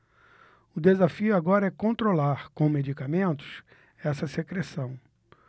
o desafio agora é controlar com medicamentos essa secreção